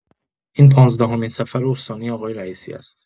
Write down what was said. این پانزدهمین سفر استانی آقای رئیسی است.